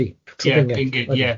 Ie, pinged ie.